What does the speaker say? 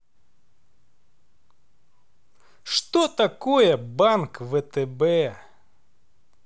что такое банк втб